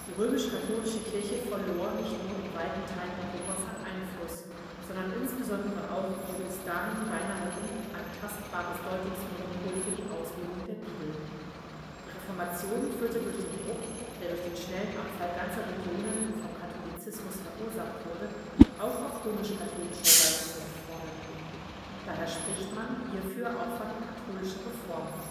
römisch-katholische Kirche verlor nicht nur in weiten Teilen Europas an Einfluss, sondern insbesondere auch ihr bis dahin beinahe unantastbares Deutungsmonopol für die Auslegung der Bibel. Die Reformation führte durch den Druck, der durch den schnellen Abfall ganzer Regionen vom Katholizismus verursacht wurde, auch auf römisch-katholischer Seite zu Reformen. Daher spricht man hierfür auch von katholischer Reform